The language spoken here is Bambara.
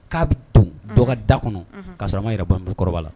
K'a bɛ to dɔgɔ da kɔnɔ k'a sɔrɔ ma yɛrɛ banmurukɔrɔba la